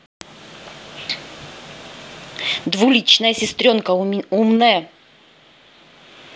двуличная сестренка умная